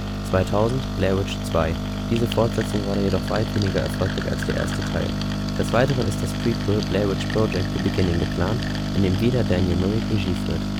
2000: Blair Witch 2 (Diese Fortsetzung war jedoch weniger erfolgreich als der erste Teil) Des Weiteren ist das Prequel Blair Witch Project: The Beginning geplant, in dem wieder Daniel Myrick Regie führt